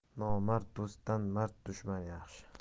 nomard do'stdan mard dushman yaxshi